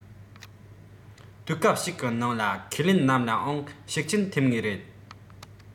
དུས སྐབས ཤིག གི ནང ལ ཁས ལེན རྣམས ལའང ཤུགས རྐྱེན ཐེབས ངེས རེད